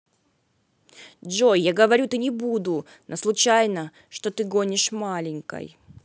джой я говорю ты не буду на случайно что ты гонишь маленькой